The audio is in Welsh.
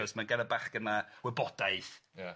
mae gan y bachgen 'ma wybodaeth... Ia. ...